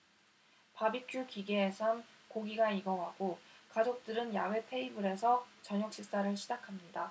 바비큐 기계에선 고기가 익어가고 가족들은 야외 테이블에서 저녁식사를 시작합니다